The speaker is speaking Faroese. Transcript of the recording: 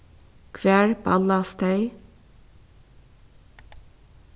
hvar ballast tey